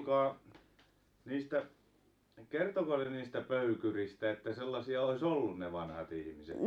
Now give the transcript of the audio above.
no kuulkaa niistä kertoiko ne niistä pöykäreistä että sellaisia olisi ollut ne vanhat ihmiset